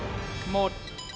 một